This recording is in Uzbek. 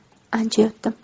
ancha yotdim